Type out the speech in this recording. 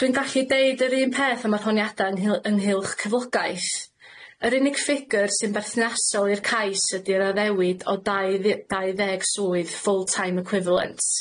Dwi'n gallu deud yr un peth am yr honiada' ynghyl- ynghylch cyflogaeth. Yr unig ffigyr sy'n berthnasol i'r cais ydi'r addewid o dau dd- dau ddeg swydd full time equivalent.